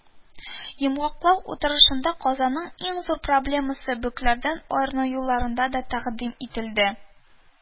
Йомгаклау утырышында Казанның иң зур проблемасы - бөкеләрдән арыну юллары да тәкъдим ителде